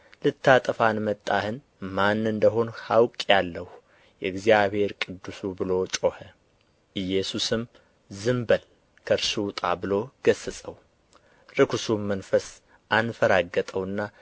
ልታጠፋን መጣህን ማን እንደ ሆንህ አውቄአለሁ የእግዚአብሔር ቅዱሱ ብሎ ጮኸ ኢየሱስም ዝም በል ከእርሱም ውጣ ብሎ ገሠጸው ርኵሱም መንፈስ አንፈራገጠውና